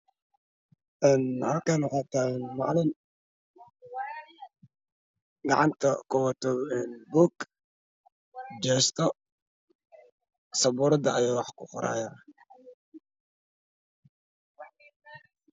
Halkaan waxaa taagan macalin gacanta kuwato buug iyo jeesto sabuurad ayuu wax kuqorahayaan.